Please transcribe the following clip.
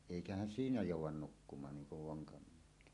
eikä siinä jouda nukkumaan niin kuin vonkamiehet